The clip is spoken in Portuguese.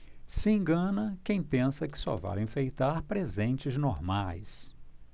se engana quem pensa que só vale enfeitar presentes normais